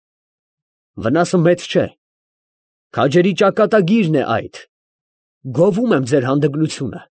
Վնասը մեծ չէ. քաջերի ճակատագիրն է այդ. գովում եմ ձեր հանդգնությունը։